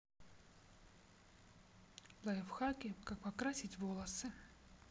лайфхаки как покрасить волосы